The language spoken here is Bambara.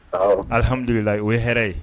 Alihamdulila o ye hɛrɛ ye